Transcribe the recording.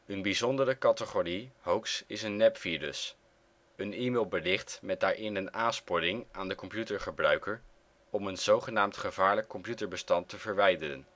Een bijzondere categorie hoax is een nepvirus: een e-mailbericht met daarin een aansporing aan de computergebruiker om een zogenaamd gevaarlijk computerbestand te verwijderen